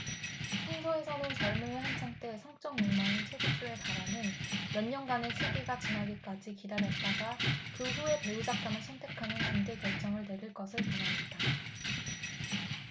성서에서는 젋음의 한창 때 성적욕망이 최고조에 달하는 몇 년간의 시기가 지나기까지 기다렸다가 그 후에 배우자감을 선택하는 중대 결정을 내릴 것을 권합니다